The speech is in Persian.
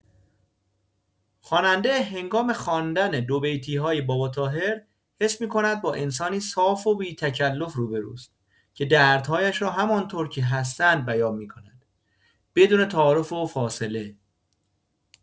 خواننده هنگام خواندن دوبیتی‌های باباطاهر حس می‌کند با انسانی صاف و بی تکلف روبه‌روست که دردهایش را همان‌طور که هستند بیان می‌کند، بدون تعارف و فاصله.